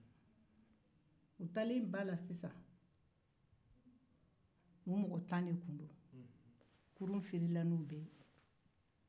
a taara bada la u mɔgɔ tan tun don kurun firila n'u ye